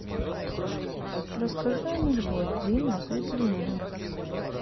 расскажи анекдот длинный предлинный